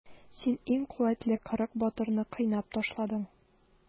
Син иң куәтле кырык батырны кыйнап ташладың.